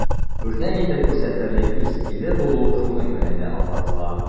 Үрнәк итеп күрсәтерлек үз стиле булу шуның белән дә аңлатыла.